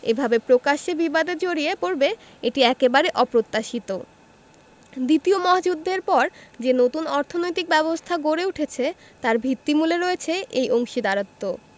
এভাবে প্রকাশ্যে বিবাদে জড়িয়ে পড়বে এটি একেবারে অপ্রত্যাশিত দ্বিতীয় মহাযুদ্ধের পর যে নতুন অর্থনৈতিক ব্যবস্থা গড়ে উঠেছে তার ভিত্তিমূলে রয়েছে এই অংশীদারত্ব